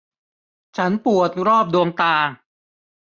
ฉันปวดรอบดวงตา